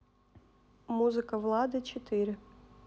музыка влада четыре